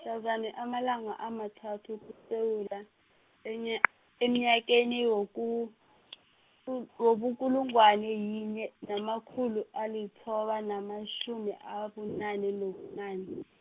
mhlazana amalanga amathathu kuSewula, enya- emnyakeni woku- bu-, wobukulungwana yinye namakhulu alithoba namatjhumi abunane nobunane.